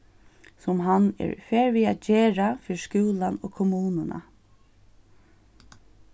sum hann er í ferð við at gera fyri skúlan og kommununa